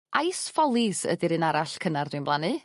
Ice ffollies ydi'r un arall cynnar dwi'n blannu